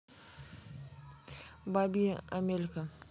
бабьи амелька